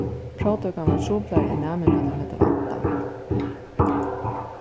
próvtøkan var truplari enn næmingarnir høvdu væntað